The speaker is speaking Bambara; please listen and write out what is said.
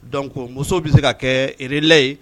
Don ko musow bɛ se ka kɛ rela ye